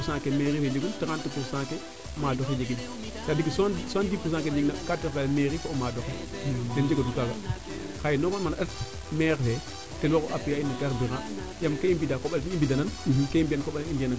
mairie fe njegun trente pourcent ke o maadoxe jegin c' est dire soixante dix pourcent ke ka cooxel mairie fo o maadoxe den njegatu kaaga xaye normalement na ndat maire fe ten war u appuyer a in na carburant yaam ke i mbinda fop ten i mbeda nan ke i mbiyan koɓale i mbiya nan